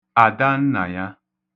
Àdannàya